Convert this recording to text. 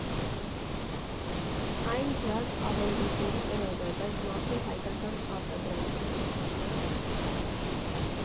Այն ջազ ավանդույթների կրող է, բայց մաքուր հայկական արտադրանք է։